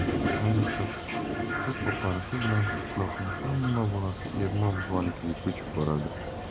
ayniqsa tut oqarishi bilan qishloqning hamma bolasi ermon buvanikiga ko'chib boradi